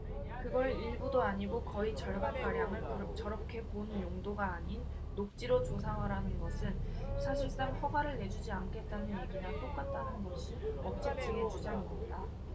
그걸 일부도 아니고 거의 절반가량을 저렇게 본 용도가 아닌 녹지로 조성하라는 것은 사실상 허가를 내주지 않겠다는 얘기나 똑같다는 것이 업체 측의 주장입니다